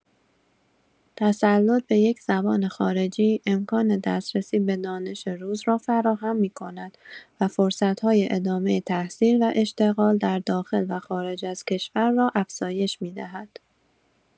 تسلط به یک‌زبان خارجی امکان دسترسی به دانش روز را فراهم می‌کند و فرصت‌های ادامه تحصیل و اشتغال در داخل و خارج از کشور را افزایش می‌دهد.